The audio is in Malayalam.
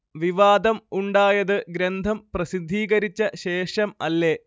വിവാദം ഉണ്ടായത് ഗ്രന്ഥം പ്രസിദ്ധീകരിച്ച ശേഷം അല്ലേ